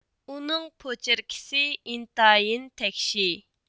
ئۇنىڭ پوچېركىسى ئىنتايىن تەكشى